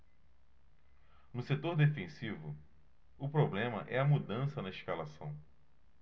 no setor defensivo o problema é a mudança na escalação